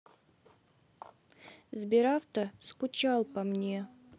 сберавто скучал по мне